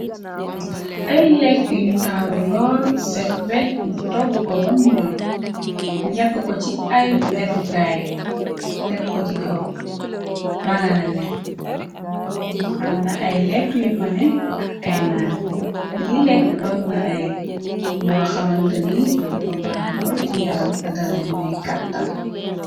Ay lekke yu taaru lool set wecj ñu toggu ko bam ñor yàkk ko ci ay defukaay tek ko ci kaw rangalele amna ay lekk yu fane ak ay naan yi lekk doon na ay ñoo xamantani dafa baax lool ci yaram te dalay may kàttan.